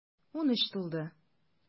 Унөч тулды.